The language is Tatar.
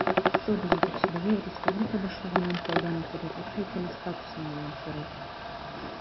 Сода җитәкчелеге республика башлыгыннан таудан табигать һәйкәле статусын алуны сорый.